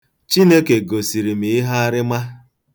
Chineke gosiri m ihearịma.